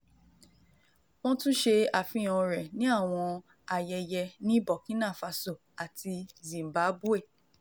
Wọ́n tún ṣe àfihàn rẹ̀ ní àwọn ayẹyẹ ní Burkina Faso àti Zimbabwe.